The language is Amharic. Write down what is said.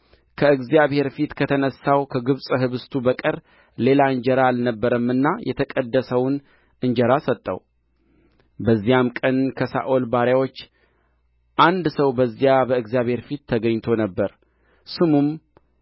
ከእግዚአብሔር ፊት ከተነሣው ከገጹ ኅብስት በቀር ሌላ እንጀራ አልነበረምና የተቀደሰውን እንጀራ ሰጠው በዚያም ቀን ከሳኦል ባሪያዎች አንድ ሰው በዚያ በእግዚአብሔር ፊት ተገኝቶ ነበር ስሙም